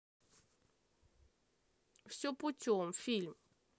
все путем фильм